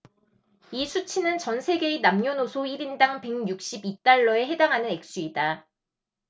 이 수치는 전 세계의 남녀노소 일 인당 백 육십 이 달러에 해당하는 액수이다